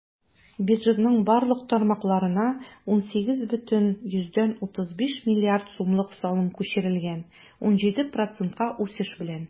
Бюджетның барлык тармакларына 18,35 млрд сумлык салым күчерелгән - 17 процентка үсеш белән.